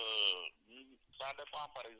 voilà xam nga